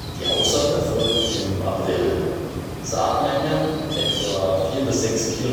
Die Aussaat erfolgt im April. Saatmenge: etwa 4 bis 6 kg/ha. Die